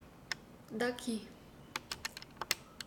བདག གིས